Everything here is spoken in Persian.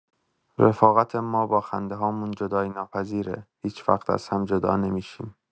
رفاقت ما با خنده‌هامون جدایی‌ناپذیره، هیچوقت از هم جدا نمی‌شیم.